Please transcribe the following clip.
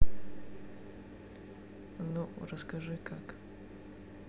ну расскажи как